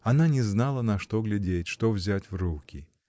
Она не знала, на что глядеть, что взять в руки.